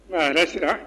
Aa yɛrɛ sera